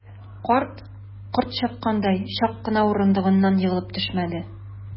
Карт, корт чаккандай, чак кына урындыгыннан егылып төшмәде.